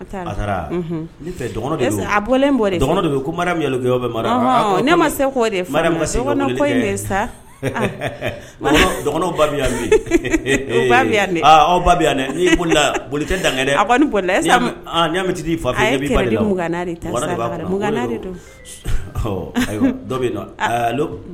Ne ma se sayan yan boli boli tɛ dangami dɔ